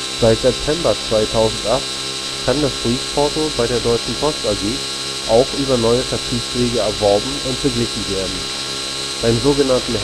Seit September 2008 kann das Briefporto bei der Deutschen Post AG auch über neue Vertriebswege erworben und beglichen werden. Beim sogenannten